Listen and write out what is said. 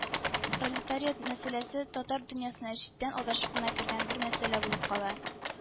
Пролетариат мәсьәләсе татар дөньясына читтән адашып кына кергән бер мәсьәлә булып кала